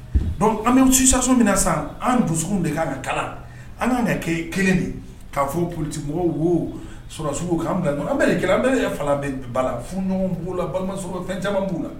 Donc an bɛ suso min na san an dusu de kan ka kalan an ka kan ka ke kelen de k'a fɔ politi mɔgɔw wo sɔrɔsiw'an bila kɔnɔ an bɛ an bɛ bala fu ɲɔgɔn b'u la balima sɔrɔ fɛn caman b'u la